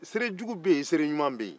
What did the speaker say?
seere jugu bɛ yen seere ɲuman bɛ yen